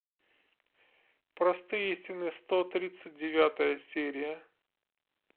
простые истины сто тридцать девятая серия